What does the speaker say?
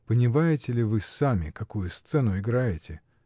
— Понимаете ли вы сами, какую сцену играете?